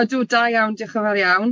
Ydw, da iawn, dioch yn fawr iawn.